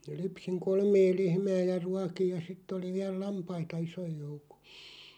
lypsin kolmea lehmää ja ruokin ja sitten oli vielä lampaita ison joukon